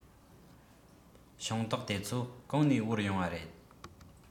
ཤིང ཏོག དེ ཚོ གང ནས དབོར ཡོང བ རེད